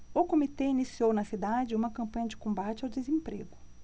o comitê iniciou na cidade uma campanha de combate ao desemprego